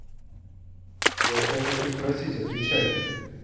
я у тебя хочу спросить отвечай